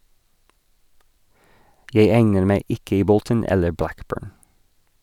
- Jeg egner meg ikke i Bolton eller Blackburn.